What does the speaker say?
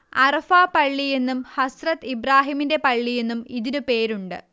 അറഫാ പള്ളിയെന്നും ഹസ്രത്ത് ഇബ്രാഹീമിന്റെ പള്ളിയെന്നും ഇതിനു പേരുണ്ട്